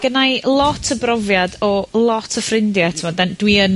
...gennai lot o brofiad o lot o ffrindie, t'mod, 'dan, dwi yn